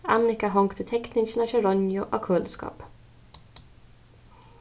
annika hongdi tekningina hjá ronju á køliskápið